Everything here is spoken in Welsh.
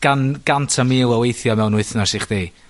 gan- gant a mil o weithia' mewn wythnos i chdi.